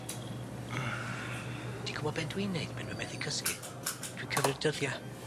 Hmm. Ti'n gwbod be' dwi'n neud pen dwi methu cysgu? Dwi'n cyfri'r dyddia.